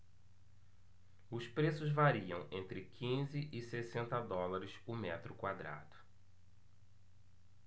os preços variam entre quinze e sessenta dólares o metro quadrado